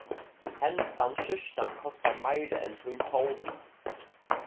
hendan skjúrtan kostar meira enn tín kjóli